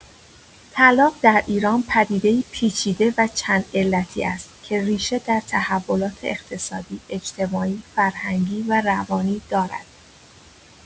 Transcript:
طلاق در ایران پدیده‌ای پیچیده و چندعلتی است که ریشه در تحولات اقتصادی، اجتماعی، فرهنگی و روانی دارد.